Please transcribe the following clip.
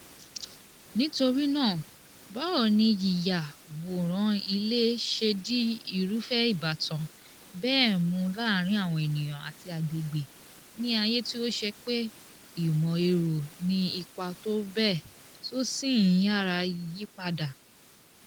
Nítorí náà báwo ní yíyàwòrán ilé ṣe di irúfẹ́ ìbátan bẹ́ẹ̀ mú láàárín àwọn ènìyàn àti agbègbè ní ayé tí ó ṣe pé ìmọ̀ ẹ̀rọ ní ipa tó bẹ́ẹ̀ tí ó sì ń yára yípadà.